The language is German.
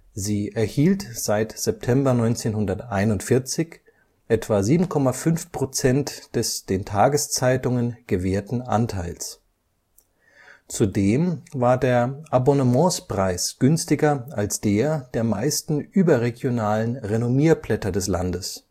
sie erhielt seit September 1941 etwa 7,5 % des den Tageszeitungen gewährten Anteils – deutlich bevorteilt wurde. Zudem war der Abonnementspreis günstiger als der der meisten überregionalen Renommierblätter des Landes